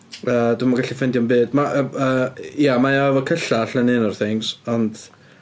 Yy dwi'm yn gallu ffeindio'm byd. Mae yy ia, mae o efo cyllall yn un o'r things, ond...